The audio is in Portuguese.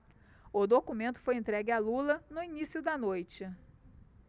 o documento foi entregue a lula no início da noite